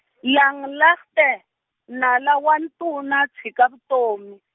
Langlaagte, nala wa ntuna tshika vutomi.